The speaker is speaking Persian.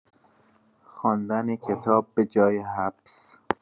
خواندن کتاب به‌جای حبس!